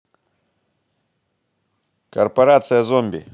корпорация зомби